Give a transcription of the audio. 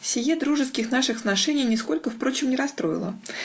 Сие дружеских наших сношений нисколько, впрочем, не расстроило